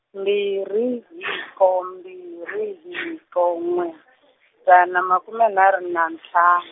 mbirhi hiko mbirhi hiko n'we , dzana makume nharhu na ntlha-.